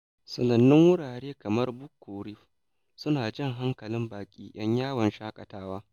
Sanannun wurare kamar Buccoo Reef su na jan hankalin baƙi 'yan yawon shaƙatawa.